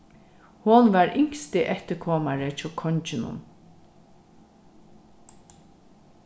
hon var yngsti eftirkomari hjá konginum